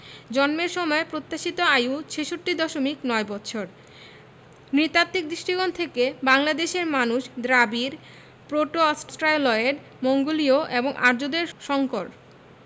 জন্মের সময় প্রত্যাশিত আয়ু ৬৬দশমিক ৯ বৎসর নৃতাত্ত্বিক দৃষ্টিকোণ থেকে বাংলাদেশের মানুষ দ্রাবিড় প্রোটো অস্ট্রালয়েড মঙ্গোলীয় এবং আর্যদের সংকর